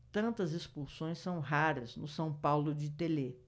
tantas expulsões são raras no são paulo de telê